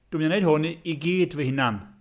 Dwi mynd i wneud hwn i, i gyd fy hunan.